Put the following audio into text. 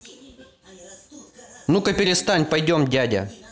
ну ка перестань пойдем дядя